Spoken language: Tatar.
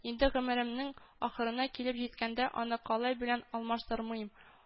Инде гомеремнең ахырына килеп җиткәндә, аны калай белән алмаштырмыйм